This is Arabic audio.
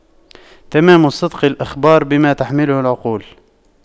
تمام الصدق الإخبار بما تحمله العقول